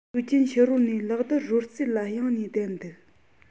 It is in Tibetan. དུས རྒྱུན ཕྱི རོལ ནས གློག རྡུལ རོལ རྩེད ལ གཡེང ནས བསྡད འདུག